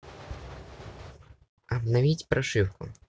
обновить прошивку